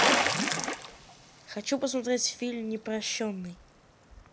хочу посмотреть фильм непрощенный